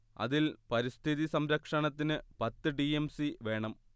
അതിൽ പരിസ്ഥിതിസംരക്ഷണത്തിന് പത്ത് ടി എം സി വേണം